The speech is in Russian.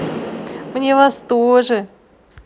мне вас тоже